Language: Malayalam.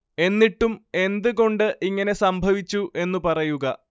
എന്നിട്ടും എന്ത് കൊണ്ട് ഇങ്ങനെ സംഭവിച്ചു എന്ന് പറയുക